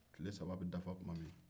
tile saba bɛ dafa tuma minna